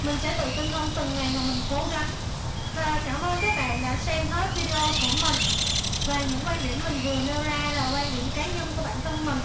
mình sẽ tự tin hơn từng ngày mà mình cố gắng và cảm ơn các bạn đã xem hết video của mình và những quan điểm mình vừa nêu ra là quan điểm cá nhân của bản thân mình